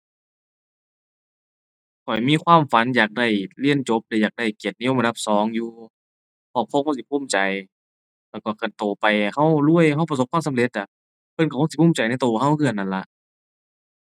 ข้อยมีความฝันอยากได้ เรียนจบละอยากได้เกียรตินิยมอันดับสองอยู่ ครอบครัวคงสิภูมิใจ แล้วก็คันโตไปก็รวย ก็ประสบความสำเร็จอะ เพิ่นก็คงสิภูมิใจในก็ก็คือกันนั่นล่ะ